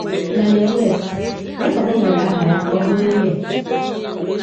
Kanye West: Rapa gbanwere aha ya ka ọ bụrụ Ye